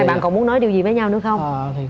bạn còn muốn nói điều gì với nhau nữa không